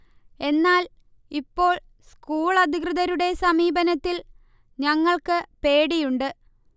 എന്നാൽ, ഇപ്പോൾ സ്കൂൾ അധികൃതരുടെ സമീപനത്തിൽ ഞങ്ങൾക്ക് പേടിയുണ്ട്